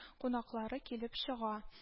Кунаклары килеп чыга